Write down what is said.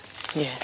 Ie.